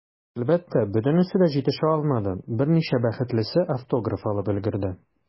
Әлбәттә, бөтенесе дә җитешә алмады, берничә бәхетлесе автограф алып өлгерде.